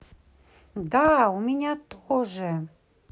да у меня тоже